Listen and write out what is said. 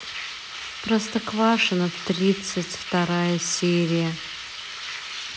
простоквашино тридцать вторая серия